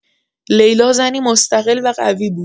لیلا زنی مستقل و قوی بود.